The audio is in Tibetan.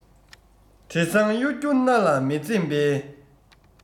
བྲེ སྲང གཡོ སྒྱུ མནའ ལ མི འཛེམ པའི